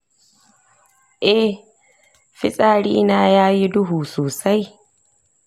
eh, fitsarina ya yi duhu sosai.